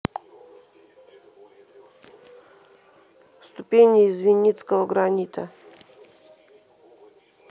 ступени из винницкого гранита